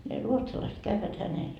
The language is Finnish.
ne ruotsalaiset käyvät hänellä